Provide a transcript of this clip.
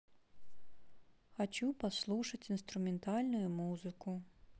хочу послушать инструментальную музыку